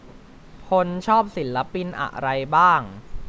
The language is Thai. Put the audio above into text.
พลชอบศิลปินอะไรบ้าง